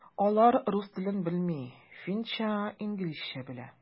Алар рус телен белми, финча, инглизчә белә.